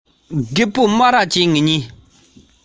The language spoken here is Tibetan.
ཁེར རྐྱང ངང ཉལ ཞིང